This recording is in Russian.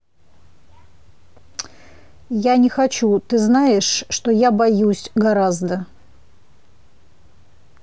я не хочу ты знаешь что я боюсь гораздо